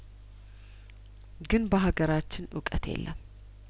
ግን በሀገራችን እውቀት የለም